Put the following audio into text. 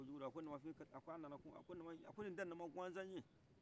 a ko jugudu a ko namafin nana tun a ko ni tɛ nama gansan ye